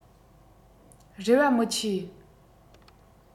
རེ བ མི ཆེ